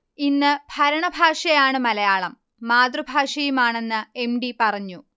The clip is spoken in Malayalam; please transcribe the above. ഇന്ന്ഭരണഭാഷയാണ് മലയാളം, മാതൃഭാഷയുമാണെന്ന് എം. ടി പറഞ്ഞു